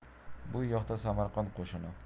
bu yoqda samarqand qo'shini